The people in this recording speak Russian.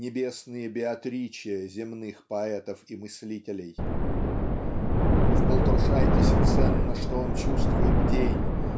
небесные Беатриче земных поэтов и мыслителей. В Балтрушайтисе ценно что он чувствует день